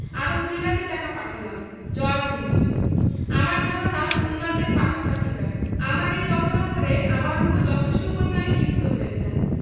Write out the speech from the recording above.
আরো কুড়ি হাজার টাকা পাঠালাম জয় কুমীর আমার ধারণা উন্মাদের পাঠক পাঠিকার আমার এই রচনা পড়ে আমার উপর যথেষ্ট পরিমাণে ক্ষিপ্ত হয়েছেন